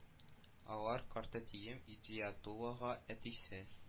Алар картәтием Идиятуллага әтисе